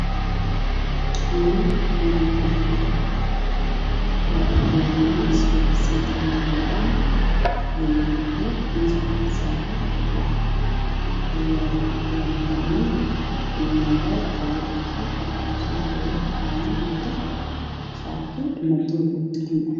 Meeshaan waxay yeelo miis ikuraas miiska waxa saaran mara cadaana bugaaggii qalimaan kuraasta waxaa ku fadhiyo macalimiin wataan shatiyaal iswallow